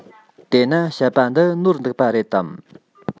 དེ ན བཤད པ འདི ནོར འདུག པ རེད དམ